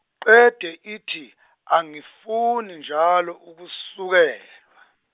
qede ithi, angifuni njalo ukusukelwa.